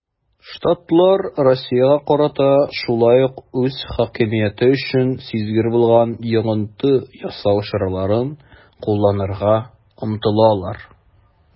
Штатлар Россиягә карата шулай ук үз хакимияте өчен сизгер булган йогынты ясау чараларын кулланырга омтылалар.